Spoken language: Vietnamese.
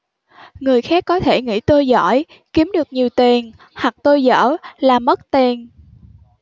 người khác có thể nghĩ tôi giỏi kiếm được nhiều tiền hoặc tôi dở làm mất tiền